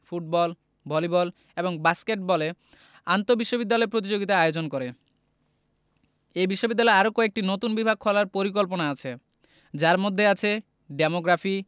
football volleyball এবং বাস্কেটবলে আন্তঃবিশ্ববিদ্যালয় প্রতিযোগিতার আয়োজন করে এই বিশ্ববিদ্যালয়ের আরও কয়েকটি নতুন বিভাগ খোলার পরিকল্পনা আছে যার মধ্যে আছে ডেমোগ্রাফি